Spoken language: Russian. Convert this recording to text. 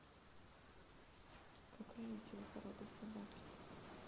какая у тебя порода собаки